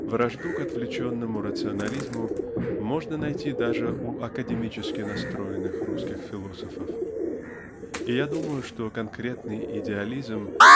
Вражду к отвлеченному рационализму можно найти даже у академически-настроенных русских философов. И я думаю что конкретный идеализм